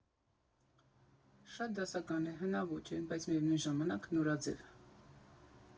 Շատ դասական է, հնաոճ է, բայց միևնույն ժամանակ՝ նորաձև։